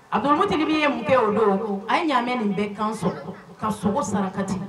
ye mun kɛ o don a ye ɲamɛ in bɛɛ kan sɔgɔ ka sogo sarakati